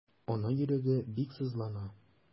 Ана йөрәге бик сызлана.